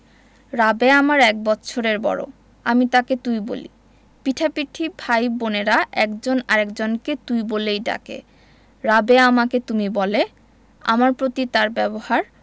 রাবেয়া আমার এক বৎসরের বড় আমি তাকে তুই বলি পিঠাপিঠি ভাইবোনেরা একজন আরেক জনকে তুই বলেই ডাকে রাবেয়া আমাকে তুমি বলে আমার প্রতি তার ব্যবহার